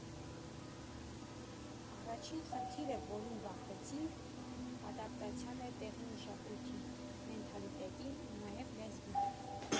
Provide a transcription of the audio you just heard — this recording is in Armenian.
Առաջին խնդիրը, որին բախվեցինք, ադապտացիան էր տեղի մշակույթին, մենթալիտետին ու նաև լեզվին։